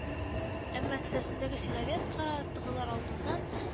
Әмма кесәсендәге сигаретка тыгылыр алдыннан